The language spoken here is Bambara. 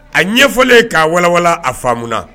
A ɲɛfɔlen k'a wawa a faamu